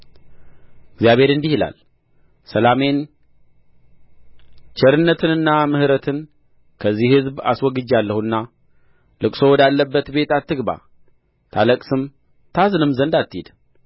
እግዚአብሔር እንዲህ ይላል ሰላሜን ቸርነትና ምሕረትን ከዚህ ሕዝብ አስወግጄአለሁና ልቅሶ ወዳለበት ቤት አትግባ ታለቅስም ታዝንም ዘንድ አትሂድ